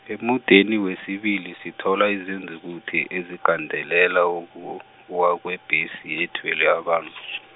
emudeni wesibili sithola izenzukuthi ezigandelela uku uwa kwebhesi ethwele abantu .